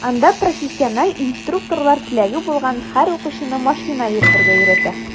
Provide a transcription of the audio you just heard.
Анда профессиональ инструкторлар теләге булган һәр укучыны машина йөртергә өйрәтә.